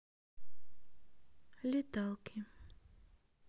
леталки